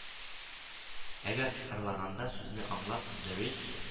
Әгәр ырлаганда сүзне аңлап, дөрес